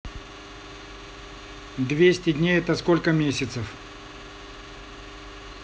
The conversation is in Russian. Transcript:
двести дней это сколько месяцев